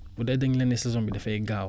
bu dee dañ la ne saison bi dafay gaaw